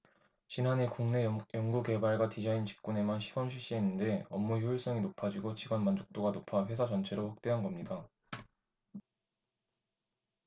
지난해 국내 연구개발과 디자인 직군에만 시범 실시했는데 업무 효율성이 높아지고 직원 만족도가 높아 회사 전체로 확대한 겁니다